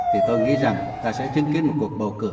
thì tôi nghĩ rằng ta sẽ chứng kiến một cuộc bầu cử